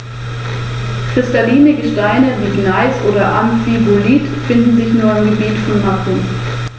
Die Stacheligel haben als wirksame Verteidigungswaffe Stacheln am Rücken und an den Flanken (beim Braunbrustigel sind es etwa sechs- bis achttausend).